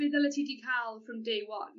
Be ddyla ti 'di ca'l from day one.